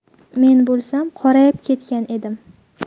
men bo'lsam qorayib ketgan edim